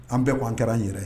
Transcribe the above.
An bɛɛ k' an kɛra an yɛrɛ ye